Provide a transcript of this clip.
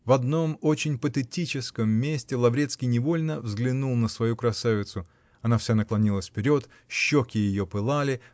В одном очень патетическом месте Лаврецкий невольно взглянул на свою красавицу: она вся наклонилась вперед, щеки ее пылали